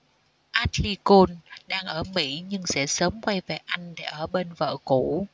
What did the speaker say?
ashley cole đang ở mỹ nhưng sẽ sớm quay về anh để ở bên vợ cũ